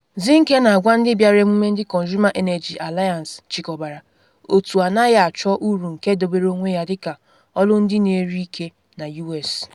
Zinke na-agwa ndị bịara emume ndị Consumer Energy Alliance chịkọbara, otu anaghị achọ uru nke dobere onwe ya dịka “olu ndị na-eri ike” na US.